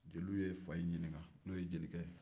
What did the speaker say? jeliw ye fa in ɲininka n'o ye jelikɛ ye